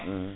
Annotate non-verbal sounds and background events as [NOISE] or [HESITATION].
[HESITATION] [HESITATION]